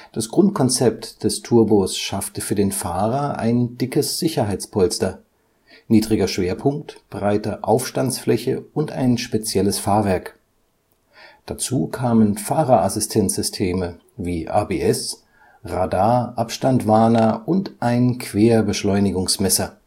Das Grundkonzept des Turbos schaffte für den Fahrer ein dickes Sicherheitspolster: Niedriger Schwerpunkt, breite Aufstandsfläche und ein spezielles Fahrwerk. Dazu kamen Fahrerassistenzsysteme wie ABS, Radar-Abstandswarner und ein Querbeschleunigungsmesser